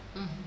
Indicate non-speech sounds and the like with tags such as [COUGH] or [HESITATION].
[HESITATION] [HESITATION]